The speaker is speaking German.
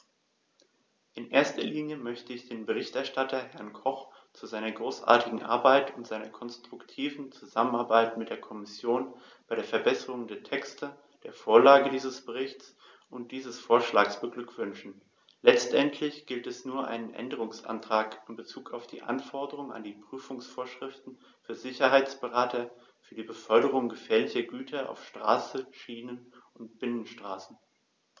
In erster Linie möchte ich den Berichterstatter, Herrn Koch, zu seiner großartigen Arbeit und seiner konstruktiven Zusammenarbeit mit der Kommission bei der Verbesserung der Texte, der Vorlage dieses Berichts und dieses Vorschlags beglückwünschen; letztendlich gibt es nur einen Änderungsantrag in bezug auf die Anforderungen an die Prüfungsvorschriften für Sicherheitsberater für die Beförderung gefährlicher Güter auf Straße, Schiene oder Binnenwasserstraßen.